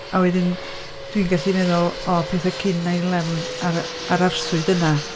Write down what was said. A wedyn dwi'n gallu meddwl o pethau cyn nine eleven a'r, a'r arswyd yna.